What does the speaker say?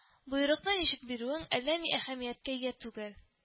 Боерыкны ничек бирүең әллә ни әһәмияткә ия түгел